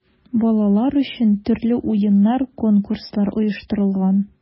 Балалар өчен төрле уеннар, конкурслар оештырылган.